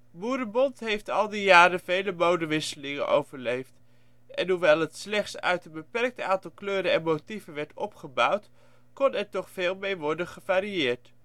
Boerenbont heeft al die jaren vele modewisselingen overleeft. En hoewel het slechts uit een beperkt aantal kleuren en motieven werd opgebouwd, kon er toch veel mee worden gevarieerd